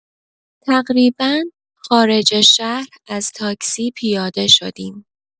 تقریبا خارج شهر از تاکسی پیاده شدیم.